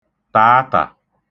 tàatà